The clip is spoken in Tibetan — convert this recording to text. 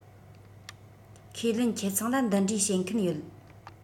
ཁས ལེན ཁྱེད ཚང ལ འདི འདྲའི བྱེད མཁན ཡོད